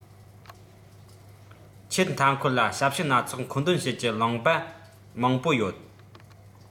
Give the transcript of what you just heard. ཁྱེད མཐའ འཁོར ལ ཞབས ཞུ སྣ ཚོགས མཁོ འདོན བྱེད ཀྱི བླངས པ མང པོ ཡོད